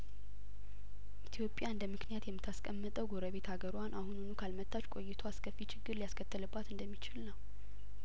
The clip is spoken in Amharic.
ኢትዮጵያ እንደ ምክንያት የምታስ ቀምጠው ጐረቤት ሀገሯን አሁኑኑ ካልመታች ቆይቶ አስከፊ ችግር ሊያስከትልባት እንደሚችል ነው